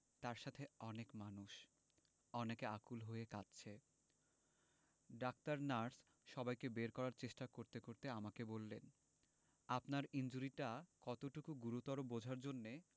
তার সাথে অনেক মানুষ অনেকে আকুল হয়ে কাঁদছে ডাক্তার নার্স সবাইকে বের করার চেষ্টা করতে করতে আমাকে বললেন আপনার ইনজুরিটা কতটুকু গুরুতর বোঝার জন্যে